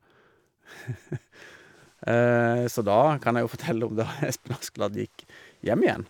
Så da kan jeg jo fortelle om da Espen Askeladd gikk hjem igjen.